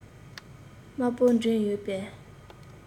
དམར པོ འདྲེས ཡོད པས